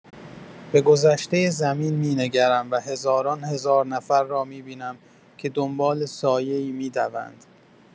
به گذشته زمین می‌نگرم و هزاران هزار نفر را می‌بینم که دنبال سایه‌ای می‌دوند.